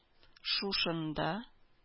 Шушында